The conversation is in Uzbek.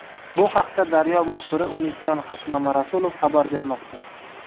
bu haqda daryo muxbiri umidjon mamarasulov xabar bermoqda